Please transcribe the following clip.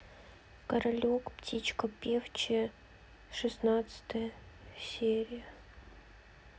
королек птичка певчая шестнадцатая серия